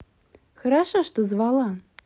хорошо что звала